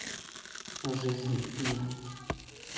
жизнь пи